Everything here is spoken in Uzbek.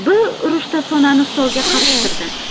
bir urishda so'nani stolga qapishtirdi